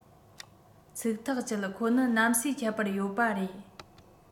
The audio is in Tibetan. ཚིག ཐག བཅད ཁོ ནི གནམ སའི ཁྱད པར ཡོད པ རེད